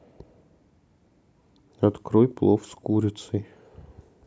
открой плов с курицей